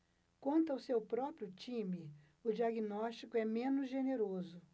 quanto ao seu próprio time o diagnóstico é menos generoso